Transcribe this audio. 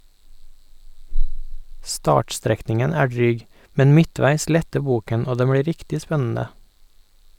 Startstrekningen er dryg, men midtveis letter boken og den blir riktig spennende.